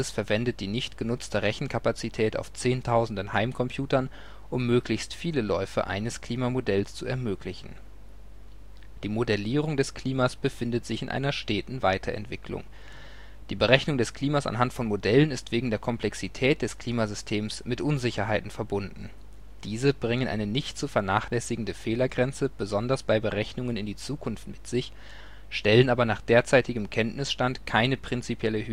verwendet die nicht genutzte Rechenkapazität auf zehntausenden Heimcomputern, um möglichst viele Läufe eines Klimamodells zu ermöglichen. Die Modellierung des Klimas befindet sich in einer steten Weiterentwicklung. Die Berechnung des Klimas anhand von Modellen ist wegen der Komplexität des Klimasystems mit Unsicherheiten verbunden. Diese bringen eine nicht zu vernachlässigende Fehlergrenze besonders bei Berechnungen in die Zukunft mit sich, stellen aber nach derzeitigem Kenntnisstand keine prinzipielle